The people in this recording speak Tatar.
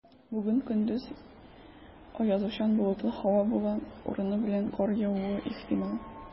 Бүген көндез аязучан болытлы һава була, урыны белән кар явуы ихтимал.